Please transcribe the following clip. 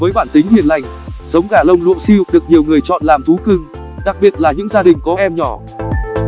với bản tính hiền lành giống gà lông lụa silke được nhiều người chọn làm thú cưng đặc biệt là những gia đình có em nhỏ